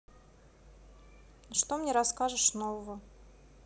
что мне расскажешь нового